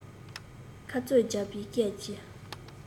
ཁ རྩོད བརྒྱབ པའི སྐད ཀྱིས